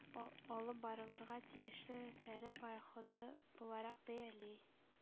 Алып барылырга тиешле “тәре походы” буларак бәяли.